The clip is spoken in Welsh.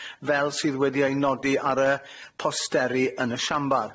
fel sydd wedi ei nodi ar y posteri yn y siambar.